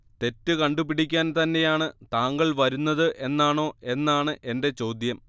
തെറ്റ് കണ്ടു പിടിക്കാൻ തന്നെയാണ് താങ്കൾ വരുന്നത് എന്നാണോ എന്നാണ് എന്റെ ചോദ്യം